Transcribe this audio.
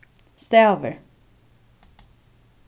stavir